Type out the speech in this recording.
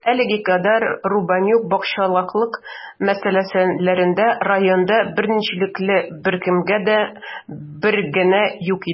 Әлегә кадәр Рубанюк бакчачылык мәсьәләләрендә районда беренчелекне беркемгә дә биргәне юк иде.